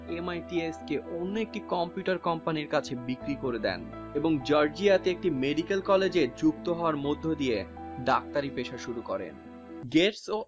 M I T S কে অন্য একটি কম্পিউটার কোম্পানি এর কাছে বিক্রি করে দেন এবং জর্জিয়াতে একটি মেডিকেল কলেজের যুক্ত হওয়ার মধ্য দিয়ে ডাক্তারি পেশা শুরু করেন গেটস ও